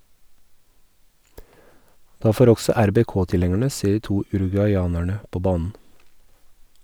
Da får også RBK-tilhengerne se de to uruguayanerne på banen.